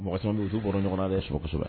Mɔgɔ caman be yen u tu bɔra ɲɔgɔnna so kosɛbɛ.